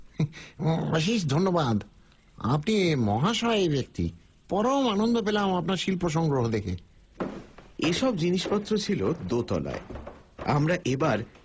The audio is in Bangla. অশেষ ধন্যবাদ আপনি মহাশয় ব্যক্তি পরম আনন্দ পেলাম আপনার শিল্প সংগ্রহ দেখে এ সব জিনিসপত্র ছিল দোতলায় আমরা এবার